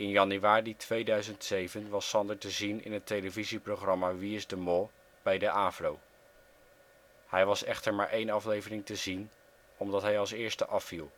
januari 2007 was Sander te zien in het televisieprogramma Wie is de Mol? bij de AVRO. Hij was echter maar één aflevering te zien, omdat hij als eerste afviel